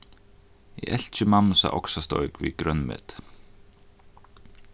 eg elski mammusa oksasteik við grønmeti